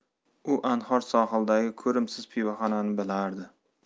u anhor sohilidagi ko'rimsiz pivoxonani bilardi